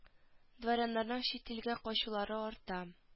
Дворяннарның чит илгә качулары арта